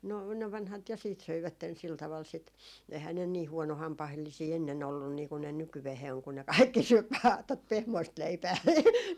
no ne vanhat ja sitten söivät sillä tavalla sitä eihän ne niin huonohampaallisia ennen ollut niin kun ne nykyään on kun ne kaikki syö vain tuota pehmoista leipää